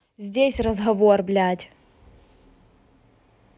здесь разговор блядь